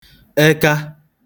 eka